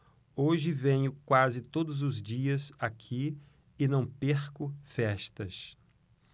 hoje venho quase todos os dias aqui e não perco festas